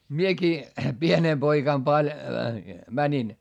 minäkin pienenä poikana - menin